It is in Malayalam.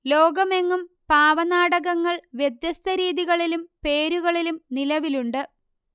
ലോകമെങ്ങും പാവനാടകങ്ങൾ വ്യത്യസ്ത രീതികളിലും പേരുകളിലും നിലവിലുണ്ട്